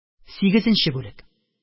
Сигезенче бүлек